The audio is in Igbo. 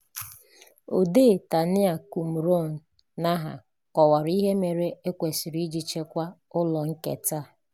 Odee Tania Kamrun Nahar kọwara ihe mere e kwesịrị iji chekwaa ụlọ nketa a: